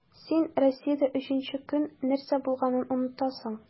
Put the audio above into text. Син Россиядә өченче көн нәрсә булганын онытасың.